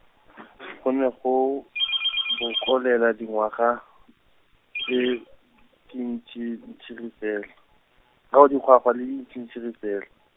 go ne go, bokolela dingwaga, e, dintsintsiri fela, ao dingwaga le dintsintsiri fela.